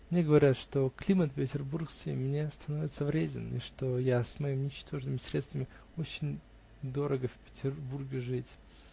Мне говорят, что климат петербургский мне становится вреден и что с моими ничтожными средствами очень дорого в Петербурге жить.